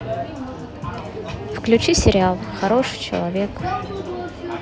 включи сериал хороший человек